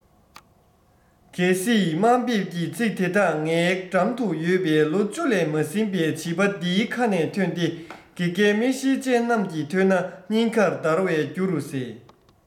གལ སྲིད དམའ འབེབས ཀྱི ཚིག དེ དག ངའི འགྲམ དུ ཡོད པའི ལོ བཅུ ལས ཟིན མེད པའི བྱིས པ འདིའི ཁ ནས ཐོན ཏེ དགེ རྒན མིག ཤེལ ཅན རྣམས ཀྱིས ཐོས ན སྙིང ཁ འདར བའི རྒྱུ རུ ཟད